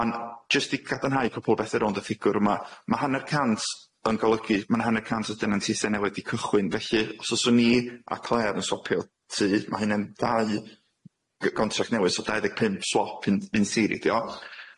ŵan jyst i gadarnhau cwpwl bethe rownd y ffigwr yma ma' hanner cant yn golygu ma' na hanner cant o denanteitha newydd di cychwyn felly os os o'n i a Clare yn swopio tŷ ma' hynna'n dau g- gontract newydd so dau ddeg pump swop yn in threory ydio.